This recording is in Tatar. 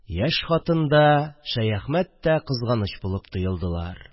Яшь хатын да, Шәяхмәт тә кызганыч булып тоелдылар